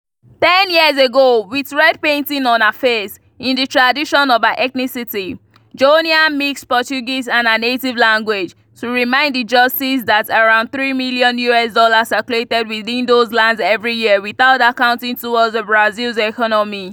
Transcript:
Ten years ago, with red painting on her face, in the tradition of her ethnicity, Joenia mixed Portuguese and her native language to remind the Justices that around three million US dollars circulated within those lands every year without that counting towards the Brazil's economy.